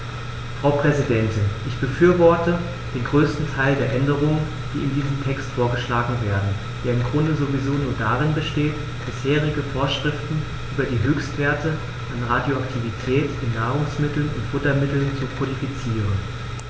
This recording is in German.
Frau Präsidentin, ich befürworte den größten Teil der Änderungen, die in diesem Text vorgeschlagen werden, der im Grunde sowieso nur darin besteht, bisherige Vorschriften über die Höchstwerte an Radioaktivität in Nahrungsmitteln und Futtermitteln zu kodifizieren.